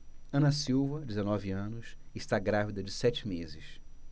ana silva dezenove anos está grávida de sete meses